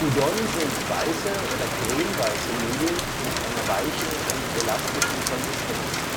Udon sind weiße oder cremeweiße Nudeln mit einer weichen und elastischen Konsistenz.